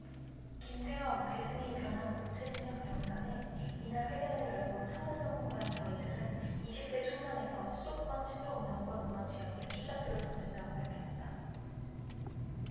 김태현 배승희 변환봉 최진녕 변호사는 이날 회견을 열고 청년 전문가인 저희들은 이십 대 총선에서 수도권 친노 운동권 의원 지역에 출사표를 던진다고 밝혔다